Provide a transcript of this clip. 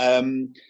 Yym.